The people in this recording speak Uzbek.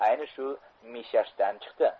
ayni shu mishashdan chiqdi